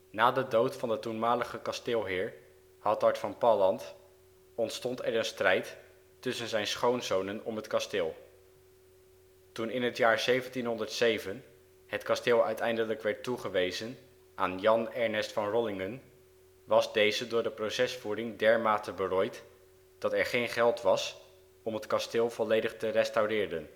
Na de dood van de toenmalige kasteelheer, Hattardt van Pallandt, ontstond er een strijd tussen zijn schoonzonen om het kasteel. Toen in het jaar 1707 het kasteel uiteindelijk werd toegewezen aan Jan Ernest van Rollingen, was deze door de procesvoering dermate berooid, dat er geen geld was om het kasteel volledig te restaureren